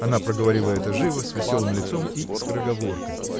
Она проговорила это живо, с веселым лицом и скороговоркой.